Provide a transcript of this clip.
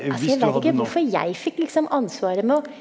altså jeg veit ikke hvorfor jeg fikk liksom ansvaret med å.